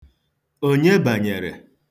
Onye banyere?